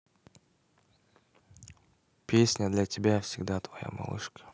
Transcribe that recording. песня для тебя всегда твоя малышка